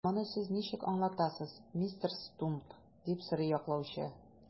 Моны сез ничек аңлатасыз, мистер Стумп? - дип сорый яклаучы.